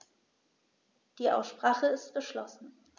Die Aussprache ist geschlossen.